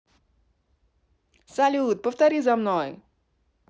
салют повтори за мной